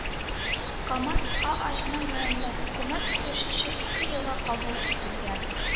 “камаз” ааҗнең гамәлдәге күмәк килешүе ике елга кабул ителгән